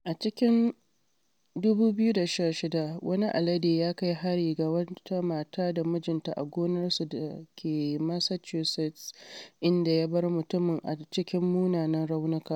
A cikin 2016, wani alade ya kai hari ga wata mata da mijinta a gonarsu da ke Massachusetts, inda ya bar mutumin a cikin munanan raunuka.